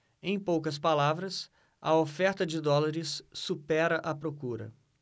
em poucas palavras a oferta de dólares supera a procura